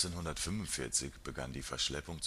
1945 begann die Verschleppung